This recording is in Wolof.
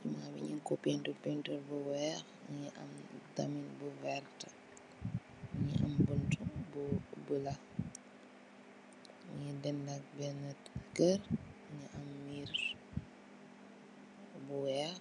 jumaa bi Nying ko pentur pentur bu weex mingi am tamit bu veert mingi am buntu bu bulo mungi dendak beneu Kerr Mu am mirsu bu weex